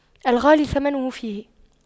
الغالي ثمنه فيه